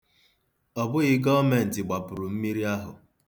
Ọ bụghị gọọmentị gbapuru mmiri ahụ.